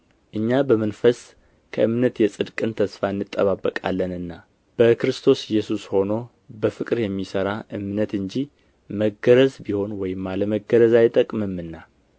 እኛ በመንፈስ ከእምነት የጽድቅን ተስፋ እንጠባበቃለንና በክርስቶስ ኢየሱስ ሆኖ በፍቅር የሚሠራ እምነት እንጂ መገረዝ ቢሆን ወይም አለመገረዝ አይጠቅምምና